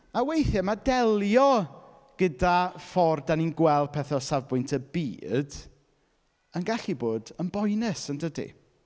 A weithiau, ma' delio gyda ffordd dan ni'n gweld pethau o safbwynt y byd yn gallu bod yn boenus yn dydi.